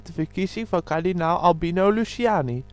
verkiezing van kardinaal Albino Luciani